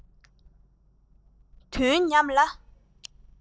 དོན ཉམས ལ